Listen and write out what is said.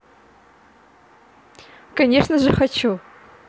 конечно же хочу